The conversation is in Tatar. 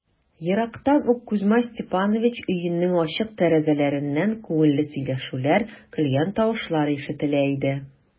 Ерактан ук Кузьма Степанович өенең ачык тәрәзәләреннән күңелле сөйләшүләр, көлгән тавышлар ишетелә иде.